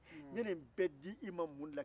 n ye nin bɛɛ d'i ma mun de la